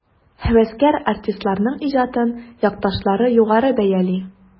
Һәвәскәр артистларның иҗатын якташлары югары бәяли.